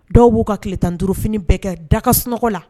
Dɔw b'u ka tile tan duuruurufini bɛɛ kɛ dagaka sunɔgɔ la